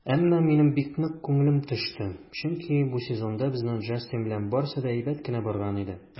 Әмма минем бик нык күңелем төште, чөнки бу сезонда безнең Джастин белән барысы да әйбәт кенә барган иде.